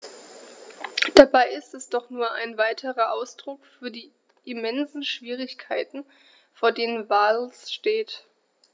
Dabei ist es doch nur ein weiterer Ausdruck für die immensen Schwierigkeiten, vor denen Wales steht.